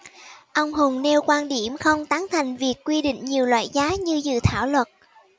ông hùng nêu quan điểm không tán thành việc quy định nhiều loại giá như dự thảo luật